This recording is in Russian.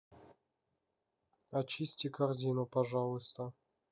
очисти корзину пожалуйста